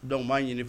Donc n b'a ɲini i fɛ